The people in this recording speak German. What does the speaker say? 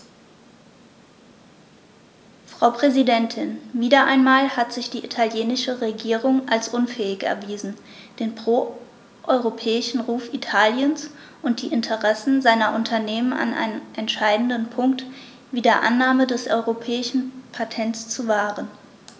Frau Präsidentin, wieder einmal hat sich die italienische Regierung als unfähig erwiesen, den pro-europäischen Ruf Italiens und die Interessen seiner Unternehmen an einem entscheidenden Punkt wie der Annahme des europäischen Patents zu wahren.